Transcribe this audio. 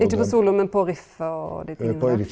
ikkje på soloen men på riffet og dei tinga der.